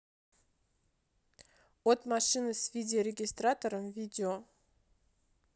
от машины с видеорегистратора видео